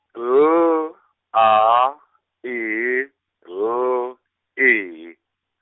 L, A, E, L, E.